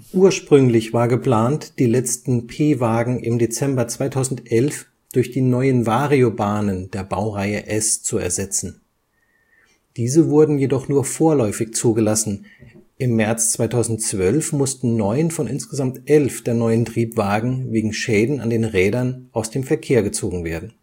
Ursprünglich war geplant, die letzten P-Wagen im Dezember 2011 durch die neuen Variobahnen der Baureihe S zu ersetzen. Diese wurden jedoch nur vorläufig zugelassen, im März 2012 mussten neun von insgesamt elf der neuen Triebwagen wegen Schäden an den Rädern aus dem Verkehr gezogen werden